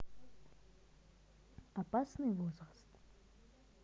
опасный возраст